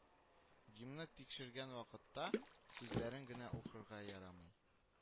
Гимнны тикшергән вакытта сүзләрен генә укырга ярамый